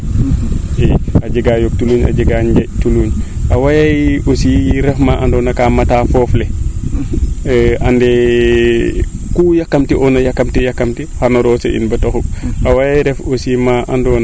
i a jega yook tuluuñ a jega njeenj tuluuñ awara ref aussi ma andoo na kaa mataa foof le andee ku yakamti oona yakamti xana roose in bata xuɓ a wara ref aussi maa ando na